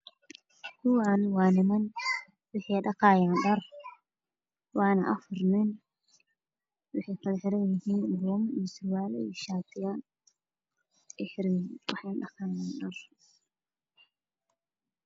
Kuwaani waa niman waxayna dhaqaayaan dhar waana afar nin waxayna kala xiran yihiin buumo iyo surwaal shaatiyaal ay xiran yihiin waxayna dhaqaayaan dhar.